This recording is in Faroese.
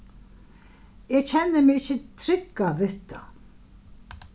eg kenni meg ikki trygga við tað